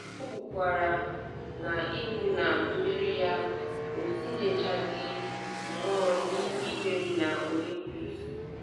O kwukwara na ịbụ nna mere ya o tinyechaghị mmụọ n’imeri na Olympics.